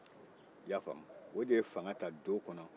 i y'a faamu o de ye fanga ta do kɔnɔ